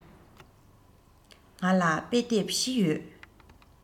ང ལ དཔེ དེབ བཞི ཡོད